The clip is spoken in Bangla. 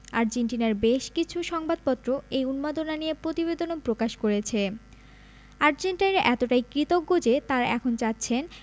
আর্জেন্টিনার বেশ কিছু সংবাদপত্র এই উন্মাদনা নিয়ে প্রতিবেদনও প্রকাশ করেছে আর্জেন্টাইনরা এতটাই কৃতজ্ঞ যে তাঁরা এখন চাচ্ছেন